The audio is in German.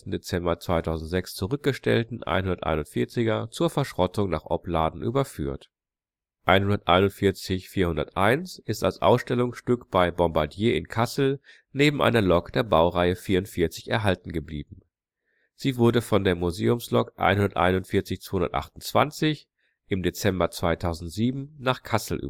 Dezember 2006 zurückgestellten 141er zur Verschrottung nach Opladen überführt, 141 401 ist als Ausstellungsstück bei Bombardier in Kassel neben einer Lok der Baureihe 44 erhalten geblieben. Sie wurde von der Museumslok 141 228 im Dezember 2007 nach Kassel